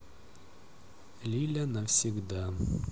лиля навсегда